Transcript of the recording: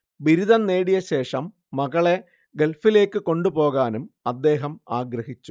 ബിരുദം നേടിയശേഷം മകളെ ഗൾഫിലേക്കു കൊണ്ടുപോകാനും അദ്ദേഹം ആഗ്രഹിച്ചു